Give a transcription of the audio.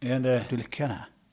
Ie, ynde.... Dwi'n licio 'na.